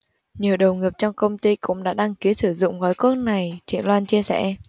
nhiều đồng nghiệp trong công ty cũng đã đăng ký sử dụng gói cước này chị loan chia sẻ